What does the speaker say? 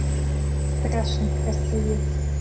страшный красавец